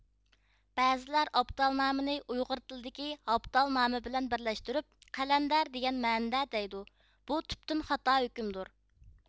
بەزىلەر ئابدال نامىنى ئۇيغۇر تىلىدىكى ھابدال نامى بىلەن بىرلەشتۈرۈپ قەلەندەر دېگەن مەنىدە دەيدۇ بۇ تۈپتىن خاتا ھۆكۈمدۇر